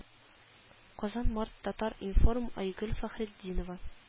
-- казан март татар-информ айгөл фәхретдинова